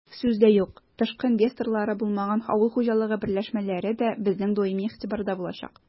Сүз дә юк, тышкы инвесторлары булмаган авыл хуҗалыгы берләшмәләре дә безнең даими игътибарда булачак.